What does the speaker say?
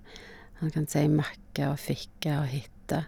Han kan si macka og ficka og hitta.